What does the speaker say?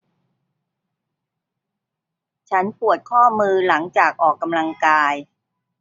ฉันปวดข้อมือหนังจากออกกำลังกาย